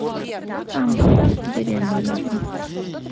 там в деревню едем